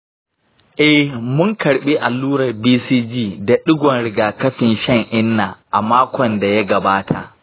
eh, mun karɓi allurar bcg da ɗigon rigakafin shan inna a makon da ya gabata.